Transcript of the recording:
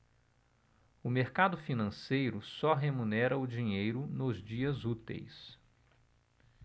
o mercado financeiro só remunera o dinheiro nos dias úteis